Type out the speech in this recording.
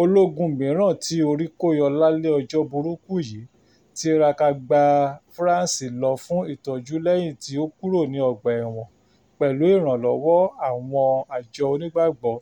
Ológun mìíràn tí orí kó yọ lálẹ́ ọjọ́ burúkú yìí tiraka gba France lọ fún ìtọ́jú lẹ́yìn tí ó kúrò ní ọgbà ẹ̀wọ̀n pẹ̀lú ìrànwọ́ àwọn Àjọ Onígbàgbọ́